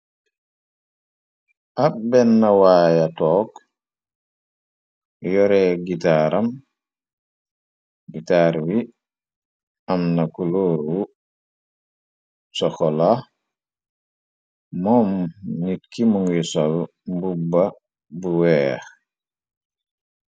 Ab benna waaya toog yore gitaar wi am na ku looru sokola moom nit ki mu nguy sol mbubba bu weex.